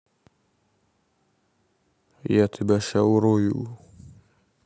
я тебя ща урою